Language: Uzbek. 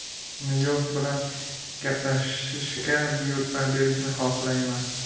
nyu york bilan gaplashishga buyurtma berishni xohlayman